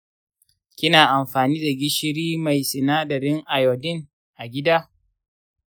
kina anfani da gishiri mai sinadarin iodine, agida?